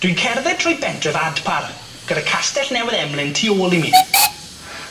Dwi'n cerdded trwy bentref Adpar gyda Castell Newydd Emlyn tu ôl i mi.